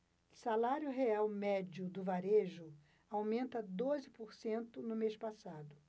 salário real médio do varejo aumenta doze por cento no mês passado